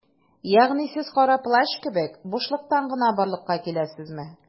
Ягъни сез Кара Плащ кебек - бушлыктан гына барлыкка киләсезме?